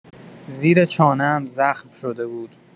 زیر چانه‌ام زخم شده بود.